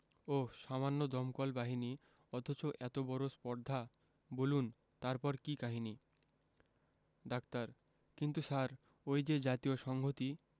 ওহ্ সামান্য দমকল বাহিনী অথচ এত বড় স্পর্ধা বুলন তারপর কি কাহিনী ডাক্তার কিন্তু স্যার ওই যে জাতীয় সংহতি